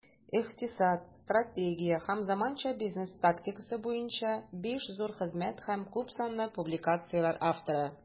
Икътисад, стратегия һәм заманча бизнес тактикасы буенча 5 зур хезмәт һәм күпсанлы публикацияләр авторы.